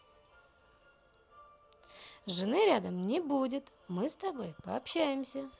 жены рядом не будет мы с тобой пообщаемся